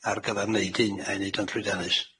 ar gyfar neud hyn, a'i neud o'n llwydiannus.